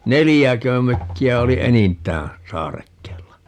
neljäkö mökkiä oli enintään saarekkeella